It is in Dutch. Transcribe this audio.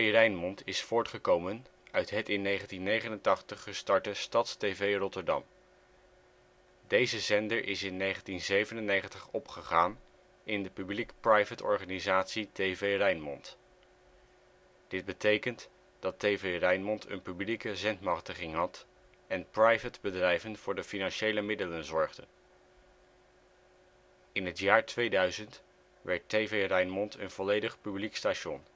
Rijnmond is voortgekomen uit het in 1989 gestarte Stads TV Rotterdam. Deze zender is in 1997 opgegaan in de publiekprivate organisatie TV Rijnmond. Dit betekent dat TV Rijnmond een publieke zendmachtiging had en private bedrijven voor de financiële middelen zorgden. In het jaar 2000 werd TV Rijnmond een volledig publiek station